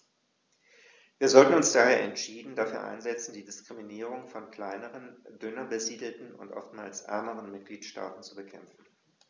Wir sollten uns daher entschieden dafür einsetzen, die Diskriminierung von kleineren, dünner besiedelten und oftmals ärmeren Mitgliedstaaten zu bekämpfen.